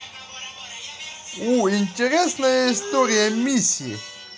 у интересная история мисси